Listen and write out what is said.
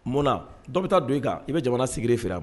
Mun na dɔ bɛ taa don i kan i bɛ jamanasigi f